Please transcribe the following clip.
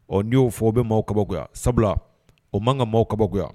Ɔ n'i y'o fɔ, o bɛ maaw kabakoya, sabula o ma kan ka maaw kabakoya.